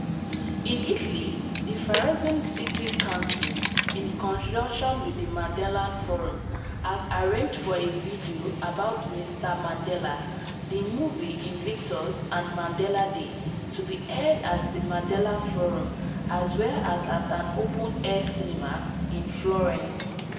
In Italy, the Firenze City Council, in conjunction with the Mandela Forum, have arranged for a video about Mr Mandela, the movie Invictus and Mandela Day, to be aired at the Mandela Forum as well as at an open air cinema in Florence.